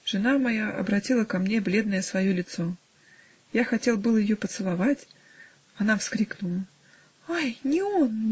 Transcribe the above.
Жена моя обратила ко мне бледное свое лицо. Я хотел было ее поцеловать. Она вскрикнула: "Ай, не он!